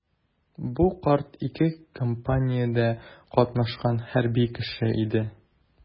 Бу карт ике кампаниядә катнашкан хәрби кеше иде.